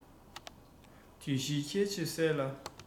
དུས བཞིའི ཁྱད ཆོས གསལ བ